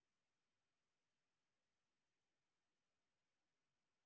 фильмы от шести лет